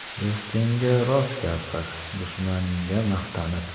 do'stingga rost gapir dushmaningga maqtanib